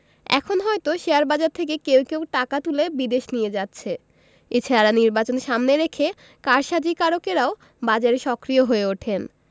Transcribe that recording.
এখন হয়তো শেয়ারবাজার থেকে কেউ কেউ টাকা তুলে বিদেশে নিয়ে যাচ্ছে এ ছাড়া নির্বাচন সামনে রেখে কারসাজিকারকেরাও বাজারে সক্রিয় হয়ে ওঠেন